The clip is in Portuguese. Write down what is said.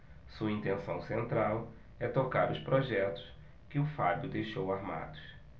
sua intenção central é tocar os projetos que o fábio deixou armados